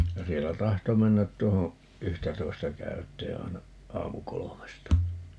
ja siellä tahtoi mennä tuohon yhtätoista käyteen aina aamukolmesta